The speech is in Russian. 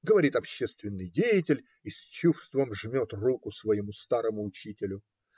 говорит общественный деятель и с чувством жмет руку своему старому учителю.